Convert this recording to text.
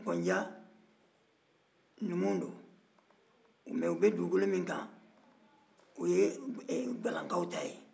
nkɔnja numuw don nka u bɛ dugukolo min kan o ye guwalakaw ta ye